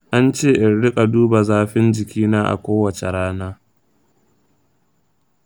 an ce in rika duba zafin jikina a kowace rana.